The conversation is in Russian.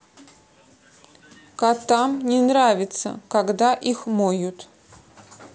котам не нравится когда их моют